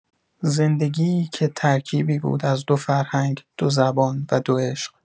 زندگی‌ای که ترکیبی بود از دو فرهنگ، دو زبان، و دو عشق